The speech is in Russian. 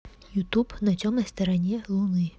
ютуб на темной стороне луны